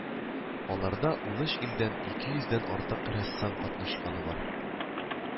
Аларда унөч илдән ике йөздән артык рәссам катнашканы бар